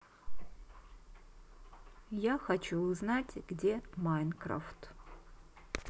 я хочу узнать где майнкрафт